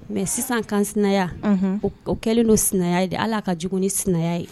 Mais sisan kansinaya unhun o k o kɛlen do sinaya ye dɛ hal'a ka jugu ni sinaya ye